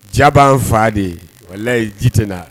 Ja b'an fa de, wallahi ji tɛ na